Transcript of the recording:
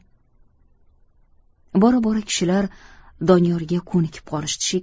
bora bora kishilar doniyorga ko'nikib qolishdi shekilli